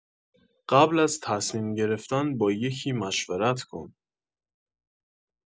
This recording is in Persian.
قبل از تصمیم گرفتن با یکی مشورت کن